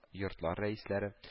Йортлар рәисләре